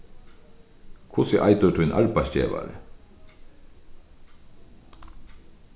hvussu eitur tín arbeiðsgevari